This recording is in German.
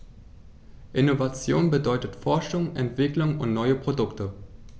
Innovation bedeutet Forschung, Entwicklung und neue Produkte.